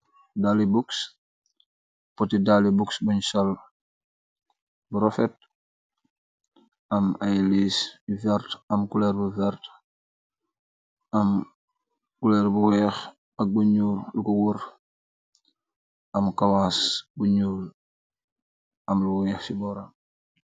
dali books poti dali bok bañchal burofet am ay liis yu vert am kuar bu vert am kulaer bu weex ak bu ñuur l ko wóor am kawas buñuul am lu weex ci boora